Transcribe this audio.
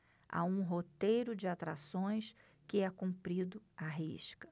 há um roteiro de atrações que é cumprido à risca